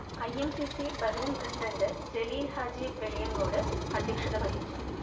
I M C C Bahrain president Jaleel Haji Veliyancode അദ്ധ്യക്ഷത വഹിച്ചു